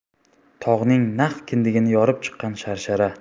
tog'ning naq kindigini yorib chiqqan sharshara